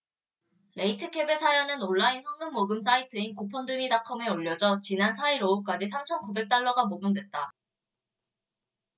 레이트켑의 사연은 온라인 성금 모금 사이트인 고펀드미닷컴에 올려져 지난 사 일 오후까지 삼 천 구백 달러가 모금됐다